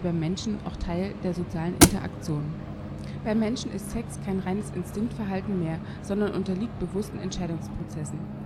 Menschen auch Teil der sozialen Interaktion. Beim Menschen ist Sex kein reines Instinktverhalten mehr, sondern unterliegt bewussten Entscheidungsprozessen